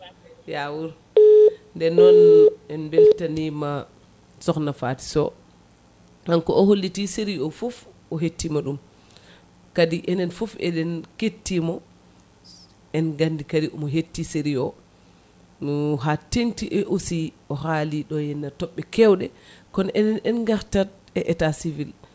yawuur nden noon en beltanima sokhna Faty Sow kanko o holliti série o foof o hettima ɗum kadi enen foof eɗen kettimo en gandi kadi omo hetti série ha tengti e aussi o haaliɗo henna toɓɓe kewɗe kono enen en gartat e état civil